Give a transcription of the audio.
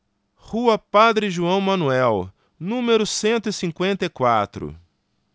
rua padre joão manuel número cento e cinquenta e quatro